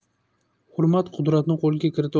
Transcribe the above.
hurmat qudratni qo'lga kirita